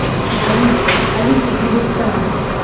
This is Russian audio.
алиса алиса перестань